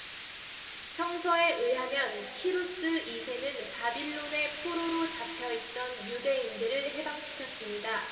성서에 의하면 키루스 이 세는 바빌론에 포로로 잡혀 있던 유대인들을 해방시켰습니다